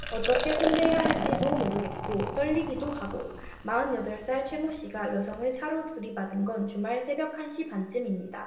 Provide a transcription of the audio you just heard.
어떻게 손대야 할지도 모르겠고 떨리기도 하고 마흔 여덟 살 최 모 씨가 여성을 차로 들이받은 건 주말 새벽 한 시 반쯤입니다